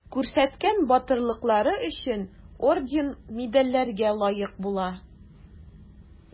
Күрсәткән батырлыклары өчен орден-медальләргә лаек була.